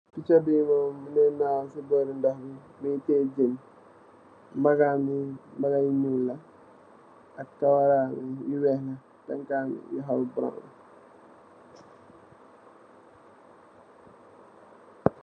Pitcha bou nyull mougui naw ci borri ndoc mi mbagam bi mbaga bou nyull la ak kawaram wi wou weck la ak tankam wi mougui hawa brussu